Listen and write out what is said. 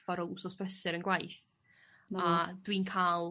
o ryw wsos brysur yn gwaith a dwi'n ca'l